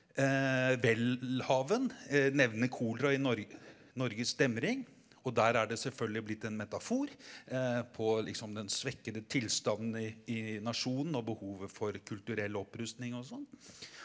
Welhaven nevner kolera i Norges Demring og der er det selvfølgelig blitt en metafor på liksom den svekkede tilstanden i i nasjonen og behovet for kulturell opprustning og sånn.